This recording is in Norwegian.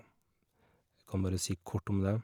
Jeg kan bare si kort om det.